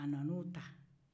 a nan'o ta